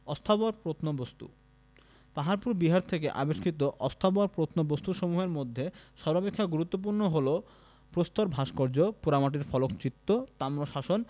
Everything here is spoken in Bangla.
অস্থাবর প্রত্নবস্তু: পাহাড়পুর বিহার থেকে আবিষ্কৃত অস্থাবর প্রত্নবস্তুসমূহের মধ্যে সর্বাপেক্ষা গুরত্বপূর্ণ হল প্রস্তর ভাস্কর্য পোড়ামাটির ফলকচিত্র তাম্রশাসন